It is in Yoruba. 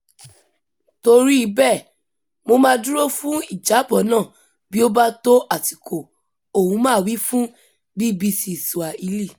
Toríi bẹ́ẹ̀, mo máa dúró fún ìjábọ̀ náà bí ó bá tó àsìkò, Ouma wí fún BBC Swahili.